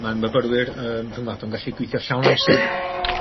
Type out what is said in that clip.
ma'n myfyrwyr yym rhyngwladol yn gallu gwithio llawn amser.